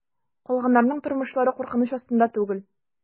Калганнарның тормышлары куркыныч астында түгел.